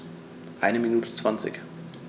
Eine Minute 20